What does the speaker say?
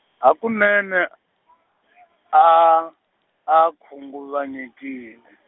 hakunene a, a khunguvanyekile.